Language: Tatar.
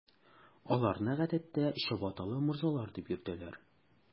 Аларны, гадәттә, “чабаталы морзалар” дип йөртәләр.